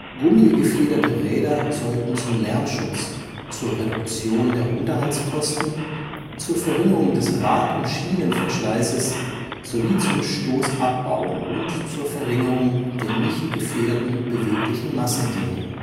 Gummigefederte Räder sollten zum Lärmschutz, zur Reduktion der Unterhaltskosten, zur Verringerung des Rad - und Schienenverschleißes, sowie zum Stoßabbau und zur Verringerung der nicht gefederten beweglichen Massen dienen